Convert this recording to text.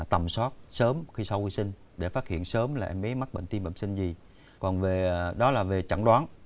tầm soát sớm khi sau khi sinh để phát hiện sớm là em bé mắc bệnh tim bẩm sinh gì còn về đó là về chẩn đoán